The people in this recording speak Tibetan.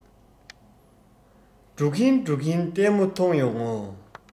འགྲོ གིན འགྲོ གིན ལྟད མོ མཐོང ཡོང ངོ